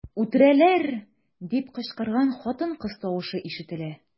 "үтерәләр” дип кычкырган хатын-кыз тавышы ишетелә.